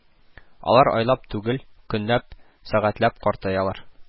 Алар айлап түгел, көнләп, сәгатьләп картаялар